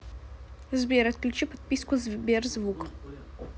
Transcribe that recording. сбер отключи подписку сбер звук